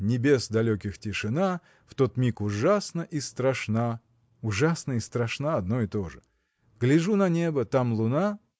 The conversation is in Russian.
Небес далеких тишина В тот миг ужасна и страшна. – Ужасна и страшна – одно и то же. Гляжу на небо: там луна.